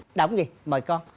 đọc cái gì mời con